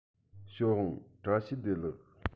ཞའོ ཝང བཀྲ ཤིས བདེ ལེགས